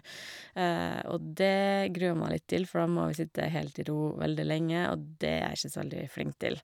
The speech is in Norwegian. Og det gruer jeg meg litt til, for da må vi sitte helt i ro veldig lenge, og det er jeg ikke så veldig flink til.